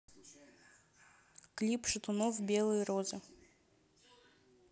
клип шатунов белые розы